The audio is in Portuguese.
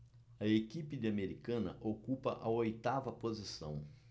a equipe de americana ocupa a oitava posição